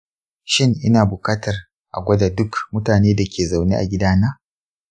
shin ina bukatar a gwada duk mutanen da ke zaune a gidana?